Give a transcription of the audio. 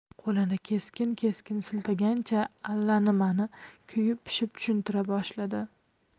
qo'lini keskin keskin siltagancha allanimani kuyib pishib tushuntira boshladi